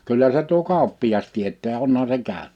kyllä se tuo kauppias tietää onhan se käynyt